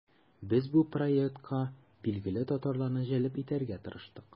Без бу проектка билгеле татарларны җәлеп итәргә тырыштык.